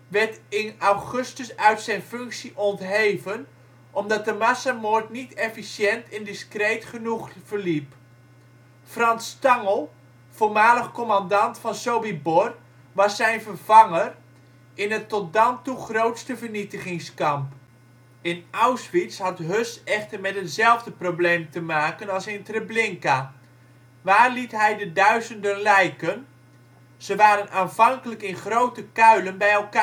werd in augustus uit zijn functie ontheven omdat de massamoord niet efficiënt en discreet genoeg verliep. Franz Stangl, voormalig commandant van Sobibór, was zijn vervanger in het tot dan toe grootste vernietigingskamp. In Auschwitz had Höss echter met hetzelfde probleem te maken als in Treblinka: waar liet hij de duizenden lijken? Ze waren aanvankelijk in grote kuilen bij elkaar gegooid, maar